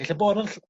ella bo' al-